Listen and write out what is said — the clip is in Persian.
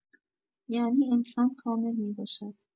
یعنی انسان کامل می‌باشد.